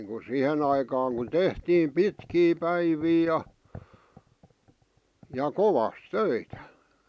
niin kuin siihen aikaan kun tehtiin pitkiä päiviä ja ja kovasti töitä